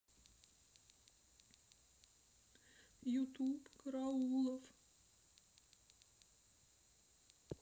ютуб караулов